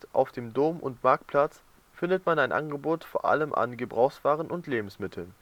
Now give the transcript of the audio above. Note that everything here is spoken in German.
auf dem Dom - und Marktplatz findet man ein Angebot vor allem an Gebrauchswaren und Lebensmitteln